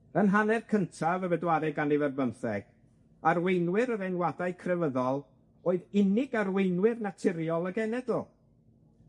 Yn hanner cyntaf y bedwaredd ganrif ar bymtheg, arweinwyr yr enwadau crefyddol oedd unig arweinwyr naturiol y genedl.